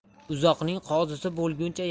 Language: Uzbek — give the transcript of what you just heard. uzoqning qozisi bo'lguncha